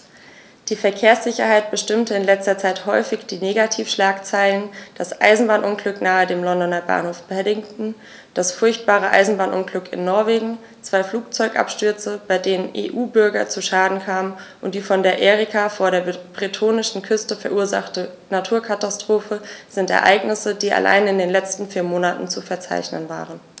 Die Verkehrssicherheit bestimmte in letzter Zeit häufig die Negativschlagzeilen: Das Eisenbahnunglück nahe dem Londoner Bahnhof Paddington, das furchtbare Eisenbahnunglück in Norwegen, zwei Flugzeugabstürze, bei denen EU-Bürger zu Schaden kamen, und die von der Erika vor der bretonischen Küste verursachte Naturkatastrophe sind Ereignisse, die allein in den letzten vier Monaten zu verzeichnen waren.